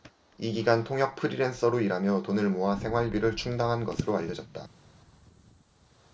이 기간 통역 프리랜서로 일하며 돈을 모아 생활비를 충당한 것으로 알려졌다